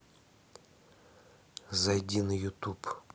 зайди на ютуб